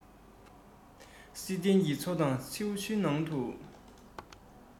བསིལ ལྡན གྱི མཚོ དང མཚེའུ ནང དུ